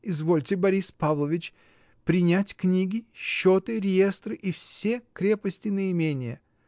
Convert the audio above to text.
Извольте, Борис Павлович, принять книги, счеты, реестры и все крепости на имение.